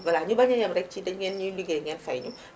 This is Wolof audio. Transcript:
voilà ñu bañ a yem rek ci dangeen ñuy liggéey ngeen fay ñu